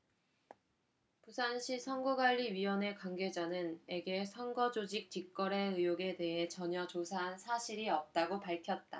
부산시선거관리위원회 관계자는 에게 선거조직 뒷거래의혹에 대해 전혀 조사한 사실이 없다고 밝혔다